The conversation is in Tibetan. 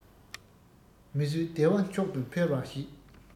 མི བཟོད བདེ བ མཆོག ཏུ འཕེལ བར བྱེད